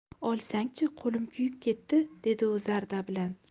olsang chi qo'lim kuyib ketdi dedi u zarda bilan